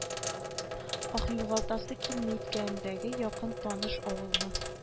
Ах югалтасы килми үткәндәге якын таныш авылны